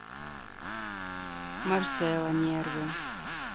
marcello нервы